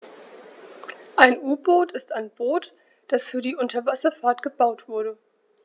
Ein U-Boot ist ein Boot, das für die Unterwasserfahrt gebaut wurde.